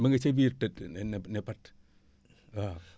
ma nga sa biir tëdd ne ne patt waaw